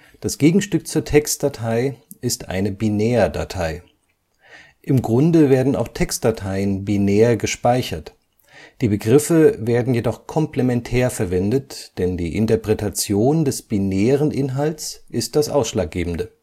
Das Gegenstück zur Textdatei ist eine Binärdatei. Im Grunde werden auch Textdateien binär gespeichert, die Begriffe werden jedoch komplementär verwendet, denn die Interpretation des binären Inhalts ist das Ausschlaggebende